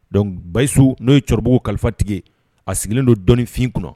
Donc basiso n'o ye cɛkɔrɔba kalifatigi a sigilen don dɔɔninifin kɔnɔ